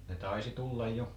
ne taisi tulla jo